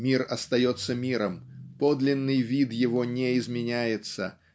Мир остается миром, подлинный вид его не изменяется